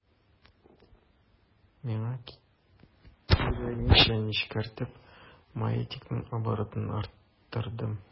Миңа кирәгенчә нечкәртеп, маятникның оборотын арттырдым.